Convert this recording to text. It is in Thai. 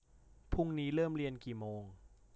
พรุ่งนี้เริ่มเรียนกี่โมง